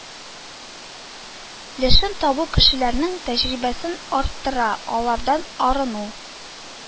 Лешен табу кешеләрнең тәҗрибәсен арттыра, алардан арыну